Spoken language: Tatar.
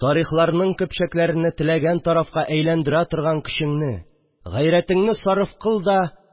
Тарихларның көпчәкләрене теләгән тарафка әйләндерә торган көчеңне, гайрәтеңне сарыф кыл да